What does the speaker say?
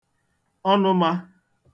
ọnụmā